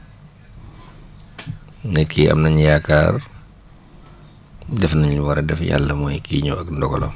dëkk yi am nañu yaakaar def nañ li ñu war a def yàlla mooy kiy ñëw ak ndogalam